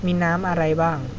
มีน้ำอะไรบ้าง